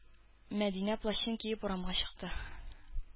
Мәдинә плащын киеп урамга чыкты.